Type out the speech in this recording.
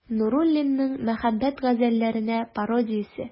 Нуруллинның «Мәхәббәт газәлләренә пародия»се.